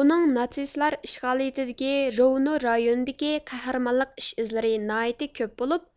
ئۇنىڭ ناتسىستلار ئىشغالىيىتىدىكى روۋنو رايونىدىكى قەھرىمانلىق ئىش ئىزلىرى ناھايىتى كۆپ بولۇپ